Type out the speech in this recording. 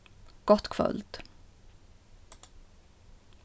gott kvøld